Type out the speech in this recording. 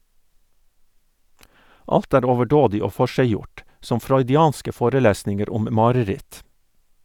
Alt er overdådig og forseggjort, som freudianske forelesninger om mareritt.